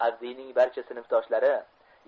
avdiyning barcha sinfdoshlari